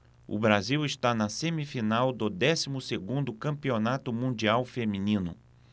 o brasil está na semifinal do décimo segundo campeonato mundial feminino